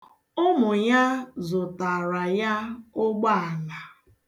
Ụmụ ya zụtaara ya ụgbọala.